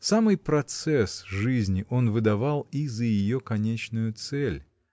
Самый процесс жизни он выдавал и за ее конечную цель.